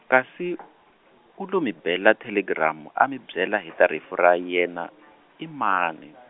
kasi , u lo mi bela thelegiramu a mi byela hi ta rifu ra yena , i mani?